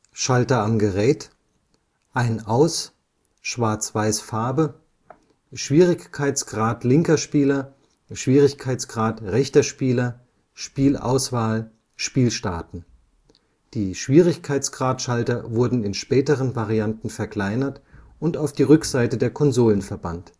Schalter am Gerät: Ein/Aus, Schwarz-Weiß/Farbe, Schwierigkeitsgrad linker Spieler, Schwierigkeitsgrad rechter Spieler, Spielauswahl, Spiel starten. Die Schwierigkeitsgrad-Schalter wurden in späteren Varianten verkleinert und auf die Rückseite der Konsole verbannt